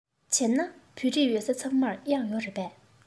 བྱས ན བོད རིགས ཡོད ས ཚང མར གཡག ཡོད རེད པས